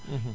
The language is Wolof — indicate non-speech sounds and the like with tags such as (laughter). (hesitation) (hesitation)